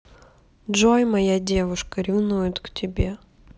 джой моя девушка ревнует к тебе